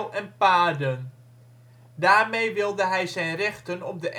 en paarden. Daarmee wilde hij zijn rechten op de